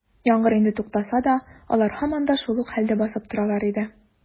Яңгыр инде туктаса да, алар һаман да шул ук хәлдә басып торалар иде.